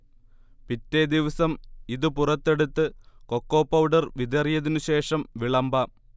പിറ്റേദിവസം ഇത് പുറത്തെടുത്ത് കൊക്കോ പൌഡർ വിതറിയതിനു ശേഷം വിളമ്പാം